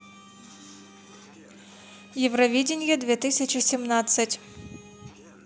евровидение две тысячи семнадцать